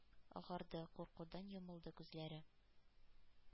Агарды; куркудан йомылды күзләре.